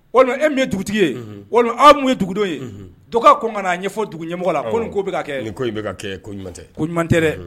O e ye dugutigi ye o aw ye dugudo ye dɔgɔ ko kaa ɲɛfɔ dugu ɲɛmɔgɔ la ko' bɛ ka kɛ kɛ koɲuman tɛ koɲuman tɛ dɛ